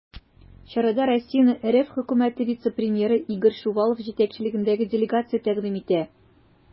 Чарада Россияне РФ Хөкүмәте вице-премьеры Игорь Шувалов җитәкчелегендәге делегация тәкъдим итә.